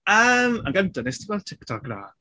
Yym yn gyntaf wnest ti weld y TikTok 'na?